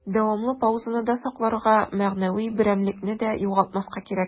Дәвамлы паузаны да сакларга, мәгънәви берәмлекне дә югалтмаска кирәк.